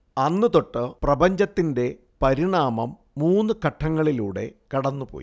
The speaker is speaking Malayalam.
അന്നു തൊട്ട് പ്രപഞ്ചത്തിന്റെ പരിണാമം മൂന്നു ഘട്ടങ്ങളിലൂടെ കടന്നുപോയി